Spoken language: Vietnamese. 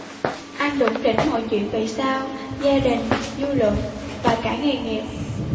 anh đủng đỉnh mọi chuyện vậy sao gia đình dư luận và cả nghề nghiệp